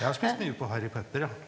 jeg har spist mye på Harry Pepper ja.